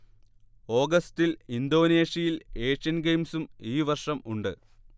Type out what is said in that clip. ഓഗസ്റ്റിൽ ഇന്തോനേഷ്യയിൽ ഏഷ്യൻ ഗെയിംസും ഈവർഷം ഉണ്ട്